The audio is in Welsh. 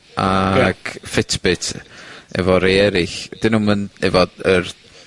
ag Fitbit, efo rei eryll, 'dyn nw'm yn efo yr